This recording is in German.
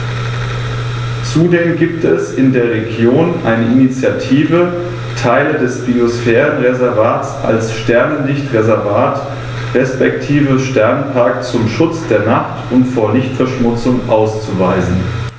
Zudem gibt es in der Region eine Initiative, Teile des Biosphärenreservats als Sternenlicht-Reservat respektive Sternenpark zum Schutz der Nacht und vor Lichtverschmutzung auszuweisen.